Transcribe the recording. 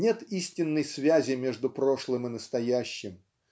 Нет истинной связи между прошлым и настоящим.